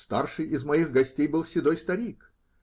Старший из моих гостей был седой старик